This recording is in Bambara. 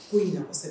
Ko ye nasa